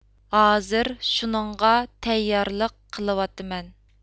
ھازىر شۇنىڭغا تەييارلىق قىلىۋاتىمەن